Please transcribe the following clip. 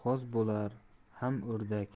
g'oz bo'lar ham o'rdak